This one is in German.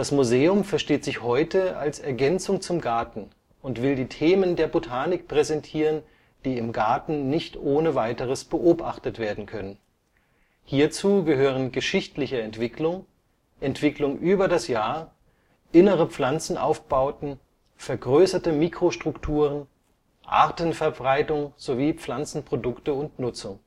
Museum versteht sich heute als Ergänzung zum Garten und will die Themen der Botanik präsentieren, die im Garten nicht ohne Weiteres beobachtet werden können. Hierzu gehören geschichtliche Entwicklung, Entwicklung über das Jahr, innere Pflanzenaufbauten, vergrößerte Mikrostrukturen, Artenverbreitung sowie Pflanzenprodukte und - nutzung